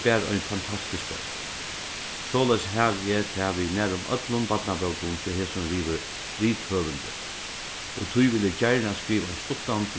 bara ein fantastisk bók soleiðis havi eg tað við nærum øllum barnabókum hjá hesum rithøvundi og tí vil eg gjarna skriva ein stuttan